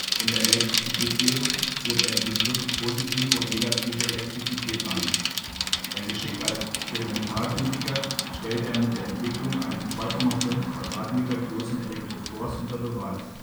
In der Elektrizitätslehre führte er die Begriffe positive und negative Elektrizität ein. Sein Geschick als Experimentalphysiker stellte er mit der Entwicklung eines 2,5 Quadratmeter großen Elektrophors unter Beweis